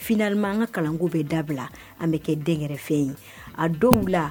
Finallement an ka kalan ko bɛ dabila an bɛ kɛ den kɛrɛfɛ fɛn ye a dɔw la .